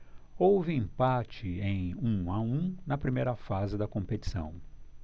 houve empate em um a um na primeira fase da competição